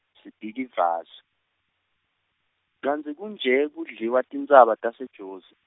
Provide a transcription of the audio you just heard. Sibhikivane, kantsi kunje kudliwa tintsaba taseJozi?